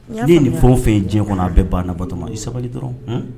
Ni ye nin fɛn fɛn diɲɛ kɔnɔ a bɛ ban bato ma i sabali dɔrɔn